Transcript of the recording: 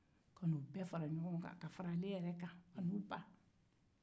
ka n'u bɛɛ fara ɲɔgɔ kan ka ale yɛrɛ kan an'u ba